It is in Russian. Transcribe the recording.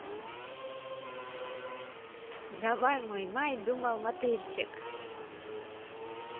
давай мой май думал мотельчик